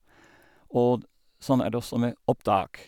Og d sånn er det også med opptak.